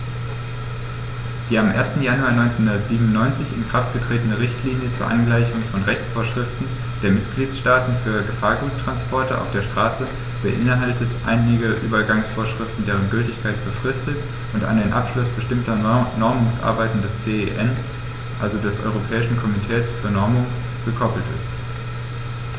Die am 1. Januar 1997 in Kraft getretene Richtlinie zur Angleichung von Rechtsvorschriften der Mitgliedstaaten für Gefahrguttransporte auf der Straße beinhaltet einige Übergangsvorschriften, deren Gültigkeit befristet und an den Abschluss bestimmter Normungsarbeiten des CEN, also des Europäischen Komitees für Normung, gekoppelt ist.